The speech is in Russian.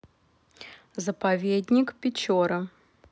заповедник печоры